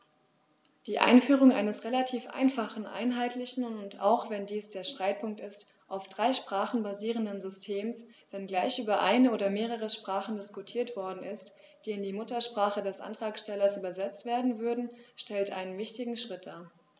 Die Einführung eines relativ einfachen, einheitlichen und - auch wenn dies der Streitpunkt ist - auf drei Sprachen basierenden Systems, wenngleich über eine oder mehrere Sprachen diskutiert worden ist, die in die Muttersprache des Antragstellers übersetzt werden würden, stellt einen wichtigen Schritt dar.